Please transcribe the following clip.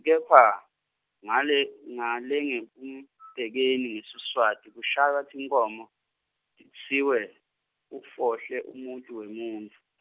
kepha ngale ngalangekumtekeni ngeSiswati kushaywa tinkhomo kutsiwe ufohle umuti wemuntfu.